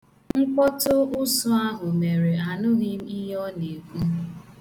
Mkpọtụ ụsụ ahụ mere anụghị m ihe ọ na-ekwu.